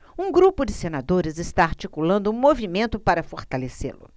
um grupo de senadores está articulando um movimento para fortalecê-lo